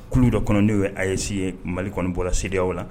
Kulu dɔ kɔnɔ n'o ye a' yesi ye mali kɔni bɔra sew la